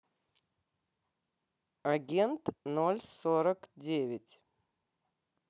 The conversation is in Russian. агент ноль сорок девять